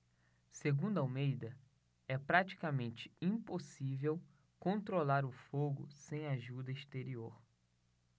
segundo almeida é praticamente impossível controlar o fogo sem ajuda exterior